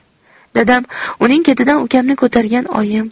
dadam uning ketidan ukamni ko'targan oyim